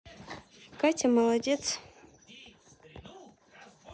катя молодец